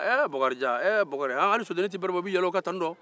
ɛɛ bokarijan ɛɛ bokari haa hali sodennin tɛ bɛrɛ bɔ i bɛ yɛlɛ o kan